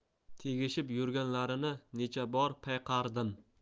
tegishib yurganlarini necha bor payqardim